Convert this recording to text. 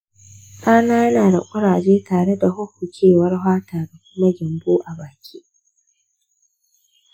ɗana yana da kuraje tare da fofokewar fata da kuma gyambo a baki